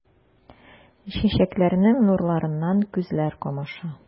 Чәчәкләрнең нурларыннан күзләр камаша.